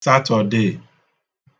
Satọ̀de